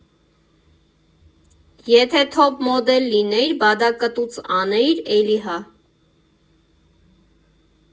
Եթե թոփ մոդել լինեյիր, բադակտուց անեյիր, էլի հա…